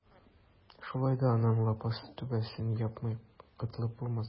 Шулай да аннан лапас түбәсен япмый котылып булмас.